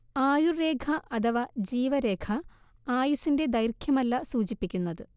ആയുർരേഖ അഥവാ ജീവരേഖ ആയുസ്സിന്റെ ദൈർഘ്യമല്ല സൂചിപ്പിക്കുന്നത്